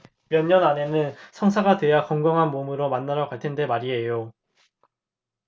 몇 년 안에는 성사가 돼야 건강한 몸으로 만나러 갈 텐데 말이에요